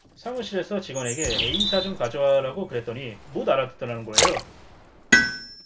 사무실에서 직원에게 에이사 좀 가져와라고 그랬더니 못 알아듣더라는 거예요